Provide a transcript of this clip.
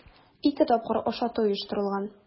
Ике тапкыр ашату оештырылган.